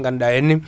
ganduɗa henna